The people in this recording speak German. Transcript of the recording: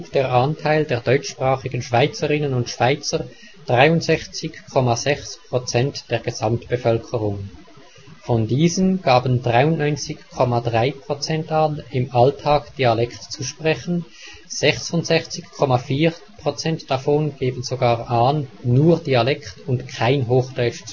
der Anteil der deutschsprachigen Schweizerinnen und Schweizer 63,6 % der Gesamtbevölkerung. Von diesen gaben 93,3 % an, im Alltag Dialekt zu sprechen. 66,4 % davon geben sogar an, nur Dialekt und kein Hochdeutsch